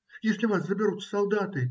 если вас заберут в солдаты.